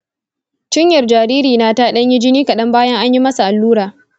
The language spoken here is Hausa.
cinyar jaririna ta ɗanyi jini kaɗan bayan an yi masa allura.